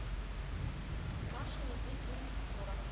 маша и медведь три мушкетера